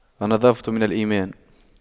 النظافة من الإيمان